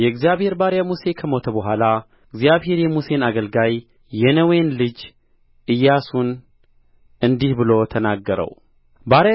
የእግዚአብሔር ባሪያ ሙሴ ከሞተ በኋላ እግዚአብሔር የሙሴን አገልጋይ የነዌን ልጅ ኢያሱን እንዲህ ብሎ ተናገረው ባሪያዬ